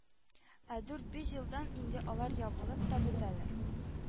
Ә дүрт-биш елдан инде алар ябылып та бетәләр